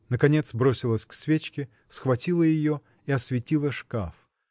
Наконец бросилась к свечке, схватила ее и осветила шкаф.